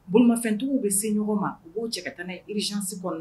Bolomafɛntigiww bɛ se ɲɔgɔn ma u b'o cɛ ka tan irizysi kɔrɔ la